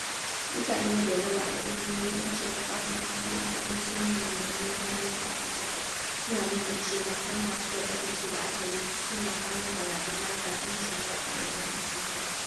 Mutane da yawa da ƙungiyoyin 'yancin kafafen yaɗa labarai sun yi maganganu na kariya ga Abubacar, suna nuna cewa kama shi da tsare shi da aka yi suna kawo barazana ga 'yancin faɗin albarkacin baki.